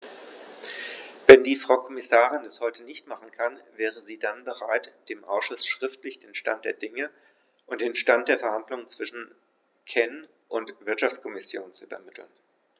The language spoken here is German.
Wenn die Frau Kommissarin das heute nicht machen kann, wäre sie dann bereit, dem Ausschuss schriftlich den Stand der Dinge und den Stand der Verhandlungen zwischen CEN und Wirtschaftskommission zu übermitteln?